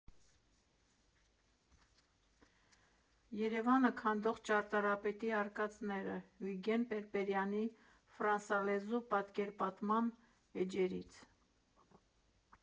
Երևանը քանդող ճարտարապետի արկածները՝ Վիգէն Պէրպէրեանի ֆրանսալեզու պատկերպատման էջերին։